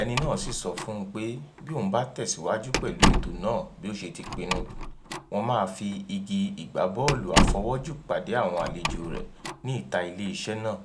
ẹni náà sì sọ fún òun pé bí òun bá tẹ̀síwajú pẹ̀lú ètò náà bí ó ṣe ti pinnu, wọ́n máa fi igi ìgbábọ́ọ̀lù-afọwọ́jù pàdé àwọn àlejò rẹ ní ìta ilé-iṣẹ́ náà.